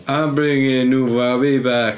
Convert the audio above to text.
I'm bringing umami back.